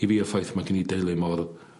I fi y ffaith ma' gen ni deulu mor